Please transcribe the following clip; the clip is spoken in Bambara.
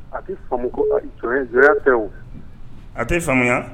A tɛ faamu ko hali ko jɔnya tɛ wo, a tɛ faamuya